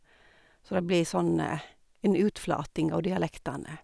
Så det blir sånn en utflating av dialektene.